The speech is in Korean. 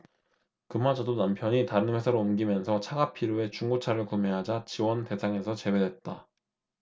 그마저도 남편이 다른 회사로 옮기면서 차가 필요해 중고차를 구매하자 지원대상에서 제외됐다